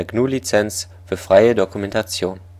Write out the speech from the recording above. GNU Lizenz für freie Dokumentation